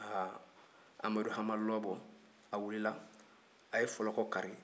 ha amadu hama lɔbɔ a wulila a ye fɔlɔkɔ kari